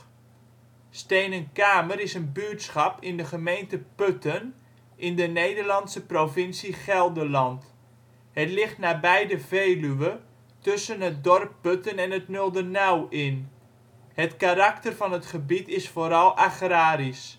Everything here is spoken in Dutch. Steenenkamer is een buurtschap in de gemeente Putten, in de Nederlandse provincie Gelderland. Het ligt nabij de Veluwe, tussen het dorp Putten en het Nuldernauw in. Het karakter van het gebied is vooral agrarisch